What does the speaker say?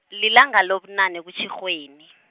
lilanga lobunane kuTjhirhweni.